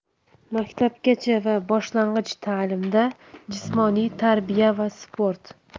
maktabgacha va boshlang'ich ta'limda jismoniy tarbiya va sport